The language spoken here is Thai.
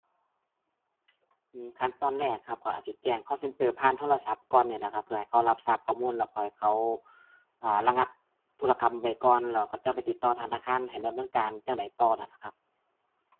อือ ขั้นตอนแรกครับ ก็อาจสิแจ้ง call center ผ่านโทรศัพท์ก่อนนี่ล่ะครับ เพื่อให้เขารับทราบข้อมูลแล้วก็ให้เขา อ่า ระงับธุรกรรมไว้ก่อน แล้วก็จั่งไปติดต่อธนาคารให้ดำเนินการจั่งใดต่อนั้นล่ะครับ